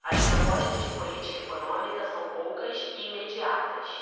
as propostas de política econômica são poucas e imediatas